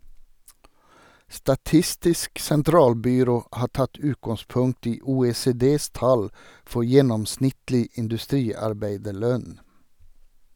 Statistisk sentralbyrå har tatt utgangspunkt i OECDs tall for gjennomsnittlig industriarbeiderlønn.